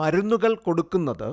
മരുന്നുകൾ കൊടുക്കുന്നത്